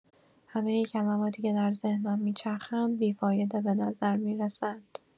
همۀ کلماتی که در ذهنم می‌چرخند، بی‌فایده به نظر می‌رسند.